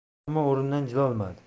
ammo o'rnidan jilolmadi